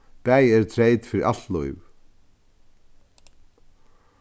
bæði eru treyt fyri alt lív